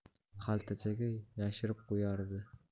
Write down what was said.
xaltachaga yashirib qo'yardi